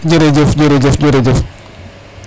jerejef jerejef jerejef